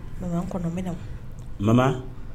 Kɔnɔ bɛ na mama